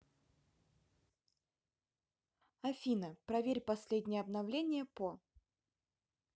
афина проверь последнее обновление по